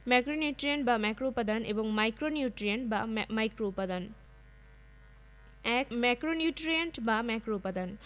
উদ্ভিদে প্রায় ৬০টি অজৈব উপাদান শনাক্ত করা হয়েছে তবে এই ৬০টি উপাদানের মধ্যে মাত্র ১৬টি উপাদান উদ্ভিদের স্বাভাবিক বৃদ্ধির জন্য একান্ত প্রয়োজনীয়